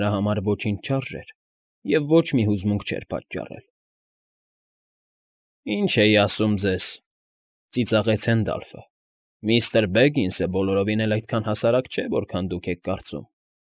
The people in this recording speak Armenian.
Նրա համար ոչինչ չարժեր և ոչ մի հուզմունք չէր պատճառել։ ֊ Ինչ էի ասում ձեզ,֊ ծիծաղեց Հենդալֆը։֊ Միստր Բեգինսը բոլորովին էլ այդքան հասարակ չէ, որքան դուք եք կարծում։